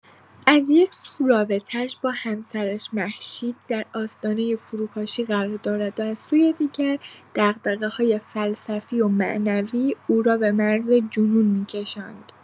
از یک‌سو رابطه‌اش با همسرش مهشید در آستانۀ فروپاشی قرار دارد و از سوی دیگر، دغدغه‌های فلسفی و معنوی او را به مرز جنون می‌کشاند.